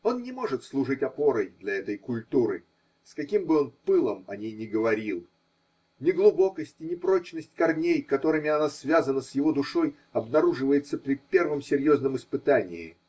Он не может служить опорой для этой культуры: с каким бы он пылом о ней ни говорил, неглубокость и непрочность корней, которыми она связана с его душой, обнаруживается при первом серьезном испытании.